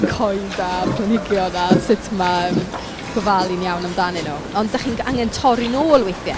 Coed a planhigion a sut ma' yym gofalu'n iawn amdanyn nhw, ond dach chi'n angen torri'n ôl weithiau.